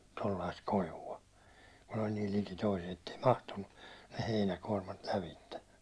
kun oli niin liki toiset että ei mahtunut ne heinäkuormat lävitse